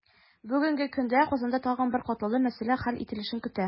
Бүгенге көндә Казанда тагын бер катлаулы мәсьәлә хәл ителешен көтә.